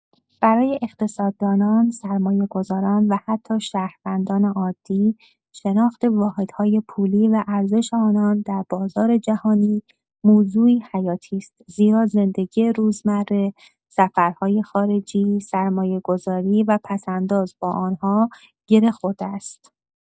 برای اقتصاددانان، سرمایه‌گذاران و حتی شهروندان عادی، شناخت واحدهای پولی و ارزش آن‌ها در بازار جهانی موضوعی حیاتی است، زیرا زندگی روزمره، سفرهای خارجی، سرمایه‌گذاری و پس‌انداز با آن‌ها گره خورده است.